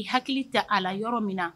I hakili ta a la yɔrɔ min na